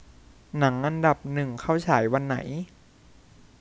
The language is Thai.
หนังอันดับหนึ่งเข้าฉายวันไหน